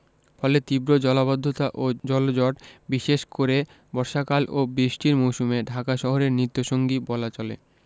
ফলে তীব্র জলাবদ্ধতা ও জলজট বিশেষ করে বর্ষাকাল ও বৃষ্টির মৌসুমে ঢাকা শহরের নিত্যসঙ্গী বলা চলে